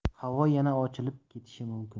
havo yana ochilib ketishi mumkin